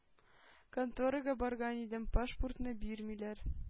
Конторга барган идем, пашпуртны бирмиләр.